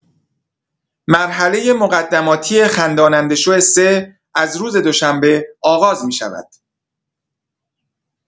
مرحله مقدماتی «خنداننده‌شو ۳» از روز دوشنبه آغاز می‌شود.